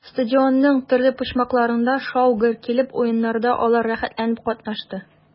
Стадионның төрле почмакларында шау-гөр килеп уеннарда алар рәхәтләнеп катнашты.